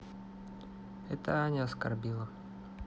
это аня оскорбила